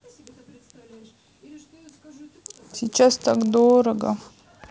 сейчас так дорого